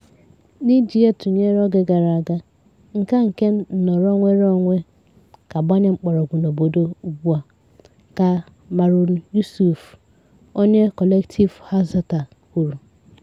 “Ọ bịara pụtakwuo ìhè n'ọwa mgbasa ozi.